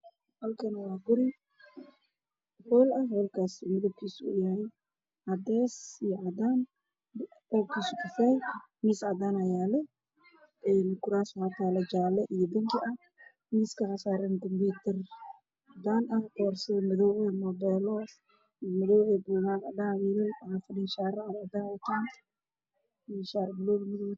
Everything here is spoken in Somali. Meshan waa hool waxaa fadhiya niman waxaa yaalo miis waxaa dusha ka saran maro cadaan ah